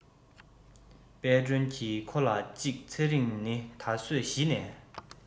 དཔལ སྒྲོན གྱིས ཁོ ལ གཅིག ཚེ རིང ནི ད གཟོད གཞི ནས